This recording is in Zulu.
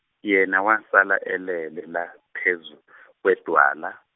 yena wasala elele la phezu kwedwala.